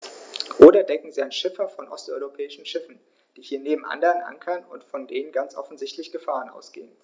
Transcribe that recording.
Oder denken Sie an Schiffer von osteuropäischen Schiffen, die hier neben anderen ankern und von denen ganz offensichtlich Gefahren ausgehen.